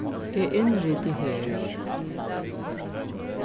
eg innriti her